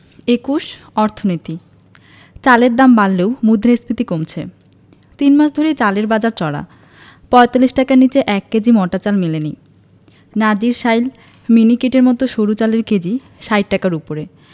২১ অর্থনীতি চালের দাম বাড়লেও মূল্যস্ফীতি কমেছে তিন মাস ধরেই চালের বাজার চড়া ৪৫ টাকার নিচে ১ কেজি মোটা চাল মেলেনি নাজিরশাইল মিনিকেটের মতো সরু চালের কেজি ৬০ টাকার ওপরে